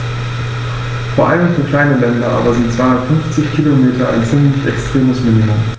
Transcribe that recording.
Vor allem für kleine Länder aber sind 250 Kilometer ein ziemlich extremes Minimum.